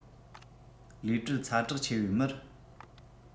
ལས བྲེལ ཚ དྲག ཆེ བའི མིར